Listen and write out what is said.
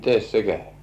mitenkäs se kävi